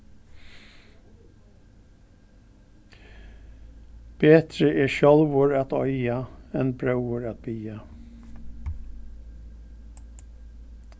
betri er sjálvur at eiga enn bróður at biðja